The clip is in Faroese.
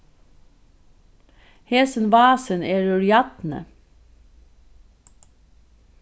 hesin vasin er úr jarni